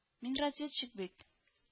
Мин разведчик бит